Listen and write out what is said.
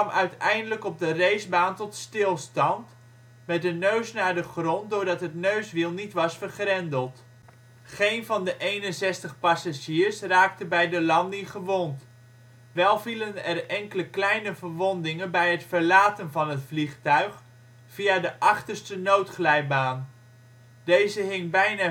uiteindelijk op de racebaan tot stilstand, met de neus naar de grond doordat het neuswiel niet was vergrendeld. Geen van de 61 passagiers raakte bij de landing gewond. Wel vielen er enkele kleine verwondingen bij het verlaten van het vliegtuig via de achterste noodglijbaan. Deze hing bijna